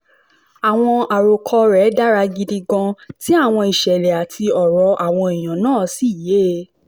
Àwọn àròkọ rẹ̀ dára gidi gan tí àwọn ìṣẹ̀lẹ̀ àti ọ̀rọ̀ àwọn èèyàn náà sì yé e.